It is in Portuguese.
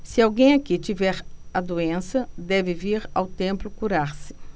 se alguém aqui tiver a doença deve vir ao templo curar-se